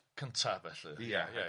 cynta felly... ia ia ia.